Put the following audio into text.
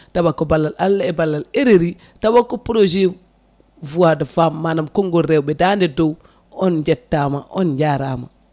tawa ko ballal Allah e ballal RRI tawa ko prjojet voix de femme manam kongngol rewɓe dande dow on jettama on jarama